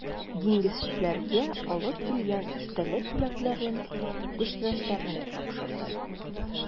Диңгезчеләргә алып килгән истәлек бүләкләрен, күчтәнәчләрне тапшырды.